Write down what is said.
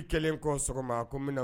I kelen kɔ sɔgɔma ko